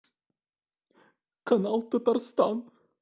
канал татарстан